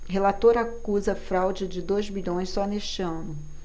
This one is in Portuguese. relator acusa fraude de dois bilhões só neste ano